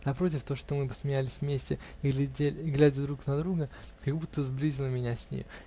напротив, то, что мы посмеялись вместе и глядя друг на друга, как будто сблизило меня с нею.